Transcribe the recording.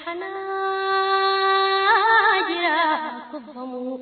Sangɛnin